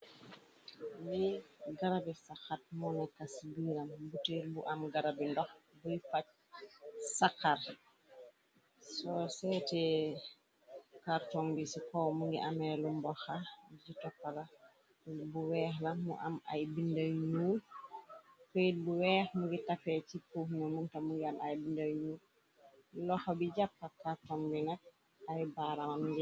Li garabi saxar mo neka ci biiram, butiir bu am garabi ndox buy pacj sakar, soo seete karton bi ci kow mu ngi amee lu mboxa di, toppala bu weex la mu am ay bindey ñuul, poyit bu weex mu gi tafee ci puux nu munta mu gean ay bindey ñul, loxo bi jàppa karton bi nag ay baaramam i.